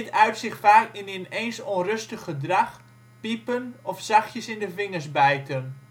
uit zich vaak in ineens onrustig gedrag, piepen of zachtjes in de vingers bijten